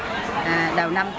à đầu năm